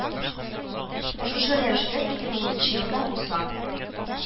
Шушы рәвешле ике мең унынчы елда бу сан